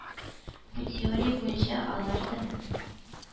Бу теория буенча алар да